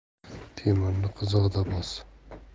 temirni qizig'ida bos